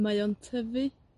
Mae o'n tyfu